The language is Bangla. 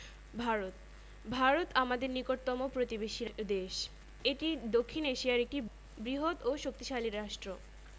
দেশটির রাজধানীর নাম বেইজিং ১৩৭ কোটি ৫১ লক্ষ ৩৭ হাজার ৮৩৭ জন মানুষ নিয়ে বিশ্বের সর্বাধিক জনসংখ্যার দেশ